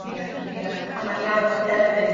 Ia ia a ma'n iawn derbyn